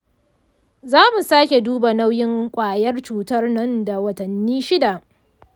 zamu sake duba nauyin ƙwayar cutar nan da watanni shida.